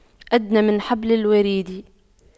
أدنى من حبل الوريد